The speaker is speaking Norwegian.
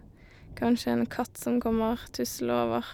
Kanskje en katt som kommer tuslende over.